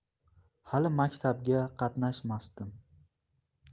hali maktabga qatnamasdim